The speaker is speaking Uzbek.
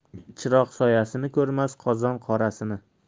chiroq soyasini ko'rmas qozon qorasini